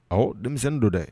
Ɔ denmisɛn don dɛ